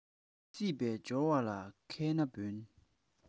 སྲིད པའི འབྱོར བ ལ ཁའི ན བུན